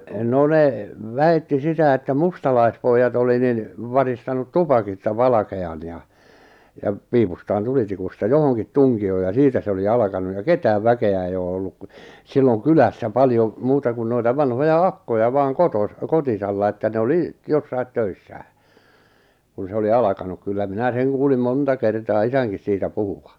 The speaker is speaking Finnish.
no ne väitti sitä että mustalaispojat oli niin varistanut tupakista valkean ja ja piipustaan tulitikusta johonkin tunkioon ja siitä se oli alkanut ja ketään väkeä ei ole ollut kun silloin kylässä paljon muuta kuin noita vanhoja akkoja vain - kotosalla että ne oli jossakin töissään kun se oli alkanut kyllä minä sen kuulin monta kertaa isänkin siitä puhuvan